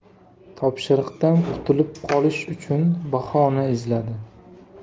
topshiriqdan qutulib qolish uchun bahona izladi